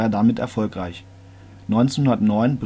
damit erfolgreich. 1909